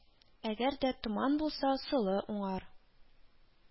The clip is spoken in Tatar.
Әгәр дә томан булса, солы уңар